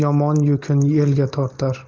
yomon yukin elga ortar